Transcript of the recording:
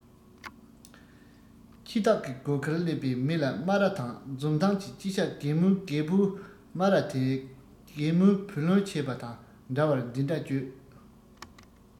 འཆི བདག གི སྒོ ཁར སླེབས པའི མི ལ སྨ ར དང འཛུམ མདངས ཀྱིས ཅི བྱ རྒན མོས རྒད པོའི སྨ ར དེར རྒན མོས བུ ལོན ཆད པ དང འདྲ བར འདི འདྲ བརྗོད